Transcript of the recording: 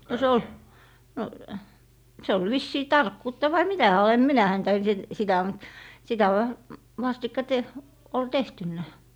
no se oli no se oli vissiin tarkkuutta vai mitä hän oli en minä häntä en - sitä mutta sitä - vastikka - oli tehty